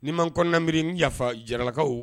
Ni ma kɔnɔna miiri yafa jaralakaw